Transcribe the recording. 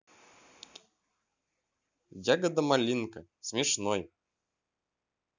ягода малинка смешной